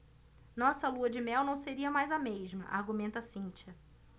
nossa lua-de-mel não seria mais a mesma argumenta cíntia